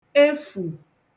efù